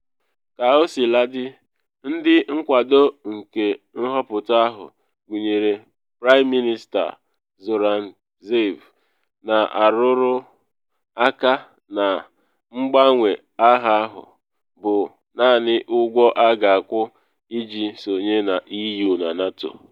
Kaosiladị, ndị nkwado nke nhọpụta ahụ, gụnyere Praịm Minista Zoran Zaev, na arụrụ aka na mgbanwe aha ahụ bụ naanị ụgwọ a ga-akwụ iji sonye na EU na NATO.